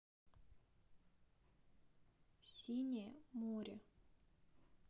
синее море